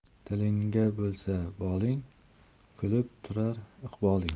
tilingda bo'lsa boling kulib turar iqboling